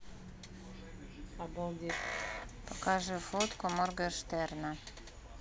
покажи фотку моргенштерна